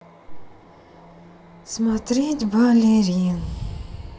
смотреть балерин